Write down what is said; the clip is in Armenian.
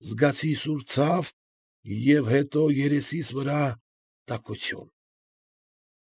Զգացի սուր ցավ և հետո երեսիս վրա տաքություն։